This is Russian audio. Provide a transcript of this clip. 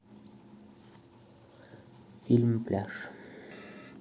фильм пляж